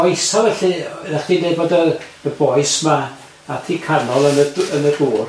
O isal felly... oeddach chdi'n deud bod y bois 'ma at i canol yn y dŵr?